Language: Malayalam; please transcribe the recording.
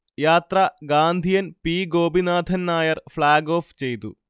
യാത്ര ഗാന്ധിയൻ പി ഗോപിനാഥൻനായർ ഫ്ലാഗ്ഓഫ് ചെയ്തു